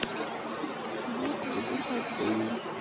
буквы духоты